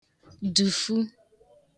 dùfu